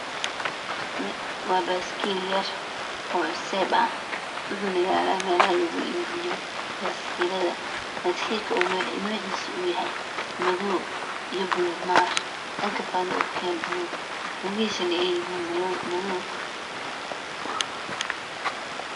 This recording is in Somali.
Waa baaskiil yar oo cuseeb ah wuxuuna yalaa melaha lagu iibiyo baaskiilada baskiilka oo nocisu yahay madoow iyo bulug maar dhanka kalena u ka yahay buluug lugahiisana ay yihiin madoow